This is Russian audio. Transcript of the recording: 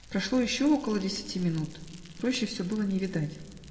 Прошло еще около десяти минут; рощи все было не видать.